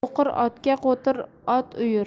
so'qir otga qo'tir ot uyur